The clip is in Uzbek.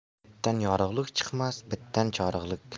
itdan yorug'lik chiqmas bitdan chorig'lik